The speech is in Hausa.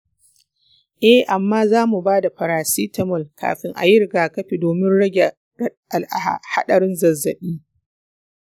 eh, amma za mu ba da paracetamol kafin a yi rigakafi domin rage haɗarin zazzaɓi.